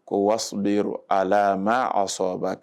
Ko wasbir alaa maa asɔɔbake